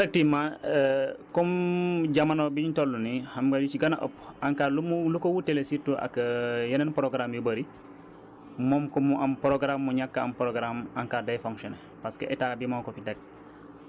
effectivement comme jamono biñ toll nii xam nga yu si gën a ëpp ANCAR lu mu lu ko wutale surtout ak yeneen programme yu bëri moom que mu am programme que mu ñàkk a am programme ANCAR day fonctionné parce que Etat bi moom moo ko fi teg